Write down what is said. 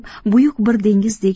buyuk bir dengizdek